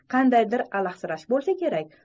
qandaydir alahlash bo'lsa kerak